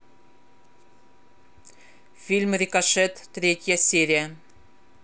фильм рикошет третья серия